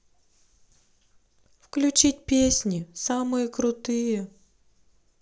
включить песни самые крутые